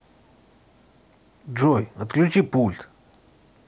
джой отключи пульт